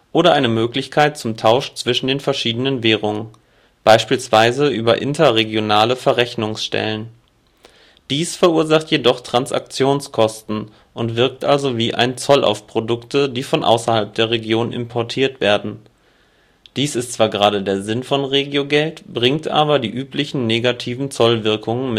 oder eine Möglichkeit zum Tausch zwischen den verschiedenen Währungen - beispielsweise über interregionale Verrechnungsstellen (Clearinghäuser). Dies verursacht jedoch Transaktionskosten und wirkt also wie ein Zoll auf Produkte, die von außerhalb der Region " importiert " werden. Dies ist zwar gerade der Sinn von Regiogeld, bringt aber die üblichen negativen Zollwirkungen